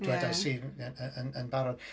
Dwedais i yn yn yn yn barod.